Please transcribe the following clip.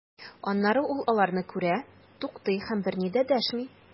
Аннары ул аларны күрә, туктый һәм берни дәшми.